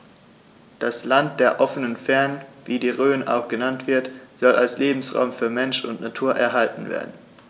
Das „Land der offenen Fernen“, wie die Rhön auch genannt wird, soll als Lebensraum für Mensch und Natur erhalten werden.